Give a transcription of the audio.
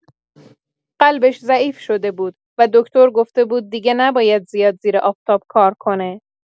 قلبش ضعیف شده بود و دکتر گفته بود دیگه نباید زیاد زیر آفتاب کار کنه.